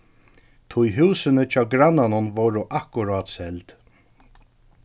tí húsini hjá grannanum vóru akkurát seld